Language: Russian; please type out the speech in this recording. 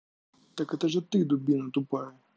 так это же ты дубина тупая